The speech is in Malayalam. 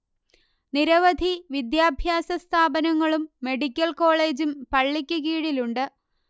നിരവധി വിദ്യാഭ്യാസ സ്ഥാപനങ്ങളും മെഡിക്കൽ കോളേജും പള്ളിക്ക് കീഴിലുണ്ട്